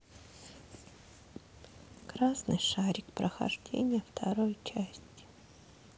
красный шарик прохождение второй части